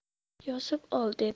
yozib ol dedi